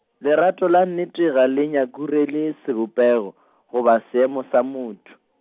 lerato la nnete ga le nyakurele sebopego , goba seemo sa motho.